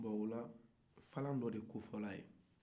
'bon ola tu dɔ de kofɔra a ye